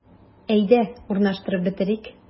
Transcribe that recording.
Әйдә, урнаштырып бетерик.